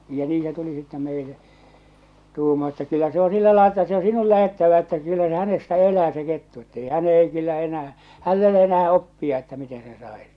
ja niin se tuli sitten meille tuumaa että kyllä se on sillä lailla että se on sinun lähdettävä että kyllä se hänestä elää se kettu että ei hän ei kyllä enää hänellä ei ole enää oppia että miten sen saisi